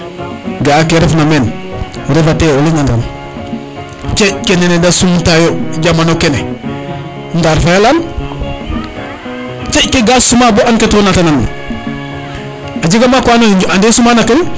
ga'a ke ref na men refate o leŋ andiran ceeƴ ke nene de sumta yo jamano kene Ndar Faye a leyan ceeƴ ke ka suma bo an ka tiro nate nan na a jaga maak wa ando naye ande sumana kene